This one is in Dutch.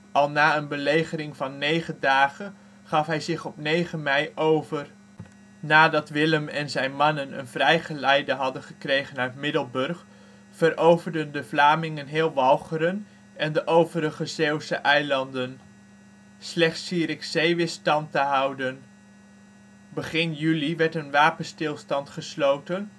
Al na een belegering van negen dagen gaf hij zich op 9 mei over. Nadat Willem en zijn mannen een vrijgeleide hadden gekregen uit Middelburg, veroverden de Vlamingen heel Walcheren en de overige Zeeuwse eilanden. Slechts Zierikzee wist stand te houden. Begin juli werd een wapenstilstand gesloten